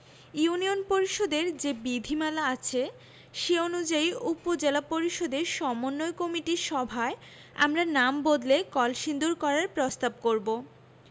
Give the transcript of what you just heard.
union পরিষদের যে বিধিমালা আছে সে অনুযায়ী উপজেলা পরিষদের সমন্বয় কমিটির সভায় আমরা নাম বদলে কলসিন্দুর করার প্রস্তাব করব